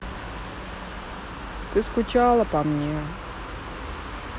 ты скучала по мне